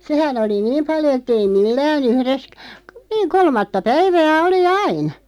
sehän oli niin paljon että ei millään yhdessä - niin kolmatta päivää oli aina